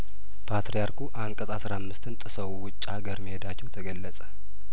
ፓትርያርኩ አንቀጽ አስራ አምስትን ጥሰው ውጭ ሀገር መሄዱቸው ተገለጸ